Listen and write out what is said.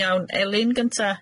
Iawn Elin gynta?